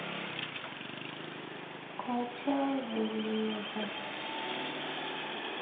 качай железо